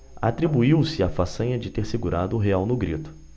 atribuiu-se a façanha de ter segurado o real no grito